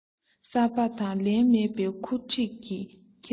གསར པ དང ལེན མེད པའི ཁུ འཁྲིགས ཀྱི ཁེར ཕྱོགས